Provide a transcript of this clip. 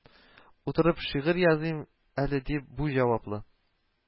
Утырып шигырь языйм әле дип, бу җаваплы